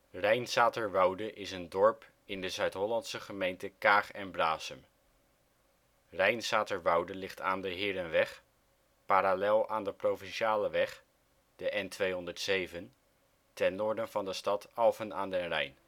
Rijnsaterwoude is een dorp in de Zuid-Hollandse gemeente Kaag en Braassem. Rijnsaterwoude ligt aan de Herenweg, parallel aan de provinciale weg de N207 ten noorden van de stad Alphen aan den Rijn